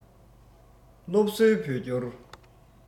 སློབ གསོའི བོད སྐྱོར